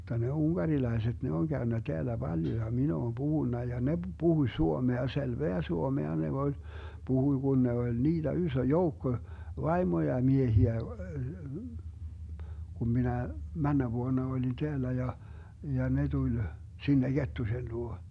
mutta ne unkarilaiset ne on käynyt täällä paljon ja minä olen puhunut ja ne puhui suomea selvää suomea ne voi puhui kun ne oli niitä iso joukko vaimoja miehiä kun minä menneenä vuonna olin täällä ja ja ne tuli sinne Kettusen luo